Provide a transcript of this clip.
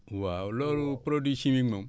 waaw loolu produit chimique moom